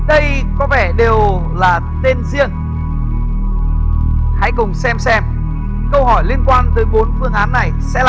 đây có vẻ đều là tên riêng hãy cùng xem xem câu hỏi liên quan tới bốn phương án này sẽ